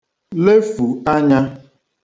lefù anya